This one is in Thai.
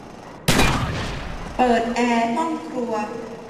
เปิดแอร์ห้องครัว